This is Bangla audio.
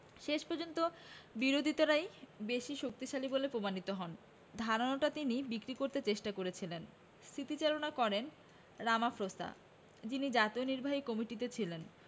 শেষ পর্যন্ত বিরোধীরাই বেশি শক্তিশালী বলে প্রমাণিত হন ধারণাটা তিনি বিক্রি করতে চেষ্টা করেছিলেন স্মৃতিচারণা করেন রামাফ্রোসা যিনি জাতীয় নির্বাহী কমিটিতে ছিলেন